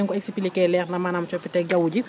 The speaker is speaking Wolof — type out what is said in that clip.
ni nga ko expliquer leer na maanaam coppiteg jaww ji